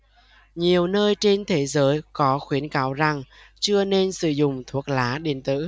nhiều nơi trên thế giới có khuyến cáo rằng chưa nên sử dụng thuốc lá điện tử